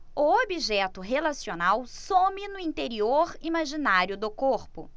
o objeto relacional some no interior imaginário do corpo